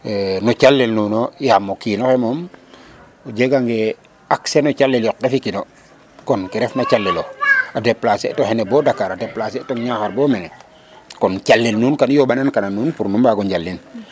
no calel nuun no yaam o kiin oxe moom o jegangee accés no calel yoqe fikin o kon ke refna calelof a déplacer taxong bo Dakar a déplacer tong Niakhar bo mene kon calel nuun kan yombanan kana nuun nu mbaag o njalin.